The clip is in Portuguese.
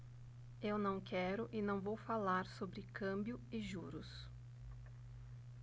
eu não quero e não vou falar sobre câmbio e juros